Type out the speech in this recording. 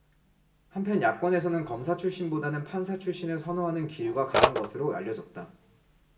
한편 야권에서는 검사 출신보다는 판사 출신을 선호하는 기류가 강한 것으로 알려졌다